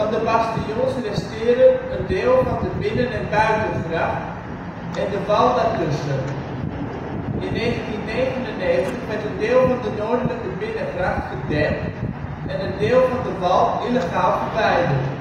de bastions resteren een deel van de binnen - en buitengracht en de wal daartussen. In 1999 werden een deel van de noordelijke binnengracht gedempt en een deel van de wal illegaal verwijderd